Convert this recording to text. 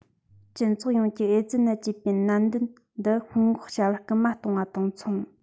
སྤྱི ཚོགས ཡོངས ཀྱིས ཨེ ཙི ནད ཅེས པའི ནད གདོན འདི སྔོན འགོག བྱ བར སྐུལ མ གཏོང བ དང མཚུངས